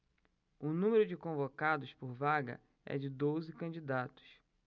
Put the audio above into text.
o número de convocados por vaga é de doze candidatos